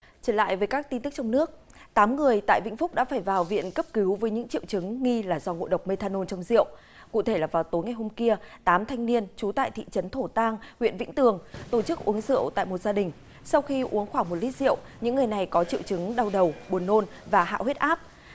trở lại với các tin tức trong nước tám người tại vĩnh phúc đã phải vào viện cấp cứu với những triệu chứng nghi là do ngộ độc mê tha nôn trong rượu cụ thể là vào tối ngày hôm kia tám thanh niên trú tại thị trấn thổ tang huyện vĩnh tường tổ chức uống rượu tại một gia đình sau khi uống khoảng một lít rượu những người này có triệu chứng đau đầu buồn nôn và hạ huyết áp